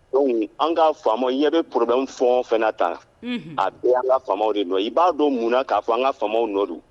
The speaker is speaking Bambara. Don an ka fa ɲɛ bɛ porobɛn fɔɔn fana ta a bɛɛ' ka fa de nɔ i b'a don mun k'a fɔ an ka faw nɔ don